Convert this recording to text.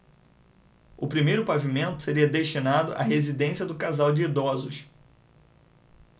o primeiro pavimento seria destinado à residência do casal de idosos